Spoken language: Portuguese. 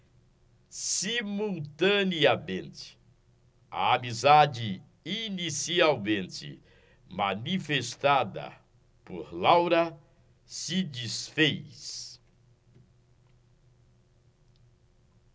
simultaneamente a amizade inicialmente manifestada por laura se disfez